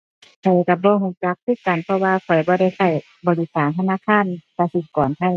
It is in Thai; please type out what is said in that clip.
ข้อยก็บ่ก็จักคือกัน เพราะว่าข้อยบ่ได้ก็บริการธนาคารกสิกรไทย